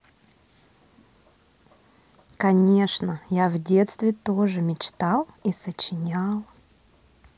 конечно я в детстве тоже мечтал и сочинял